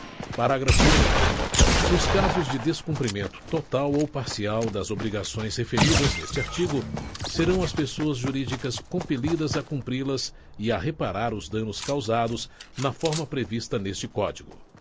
parágrafo único nos casos de descumprimento total ou parcial das obrigações referidas neste artigo serão as pessoas jurídicas compelidas a cumpri las e a reparar os danos causados na forma prevista neste código